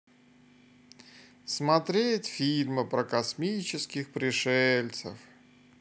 смотреть фильмы про космических пришельцев